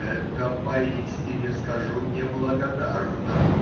Это, поистине скажу, неблагодарно